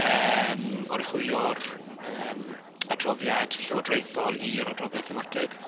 yym oruchwylio'r yym adroddiad llywodraethol i'r adroddiad thematig.